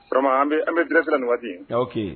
T an bɛ an bɛ glɛsiraradi aw